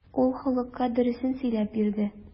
Ул халыкка дөресен сөйләп бирде.